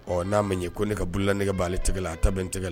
Ɔ n'a mɛ ye ko ne kaurula nɛgɛgɛge' tigɛ la a ta bɛn tɛgɛ la